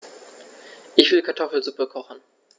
Ich will Kartoffelsuppe kochen.